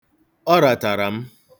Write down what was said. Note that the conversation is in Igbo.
Ọ ratara m.